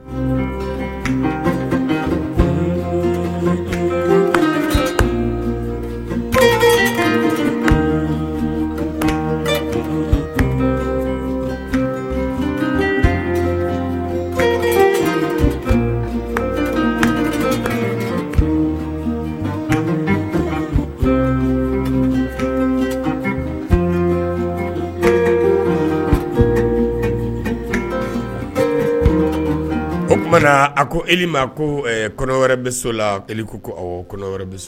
O tuma na a ko e ma ko kɔnɔ wɛrɛ bɛ so la e ko ko kɔnɔ wɛrɛ bɛ so